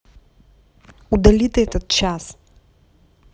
удали ты этот час